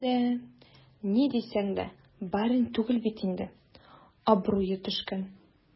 Ире дә, ни дисәң дә, барин түгел бит инде - абруе төшкән.